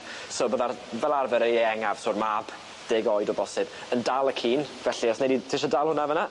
So bydda'r fel arfer y ieuangaf so'r mab deg oed o bosib yn dal y cîn felly os wnei di tisio dal hwnna fyn 'na.